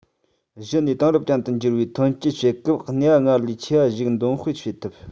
གཞི ནས དེང རབས ཅན དུ འགྱུར བའི ཐོན སྐྱེད བྱེད སྐབས ནུས པ སྔར ལས ཆེ བ ཞིག འདོན སྤེལ བྱེད ཐུབ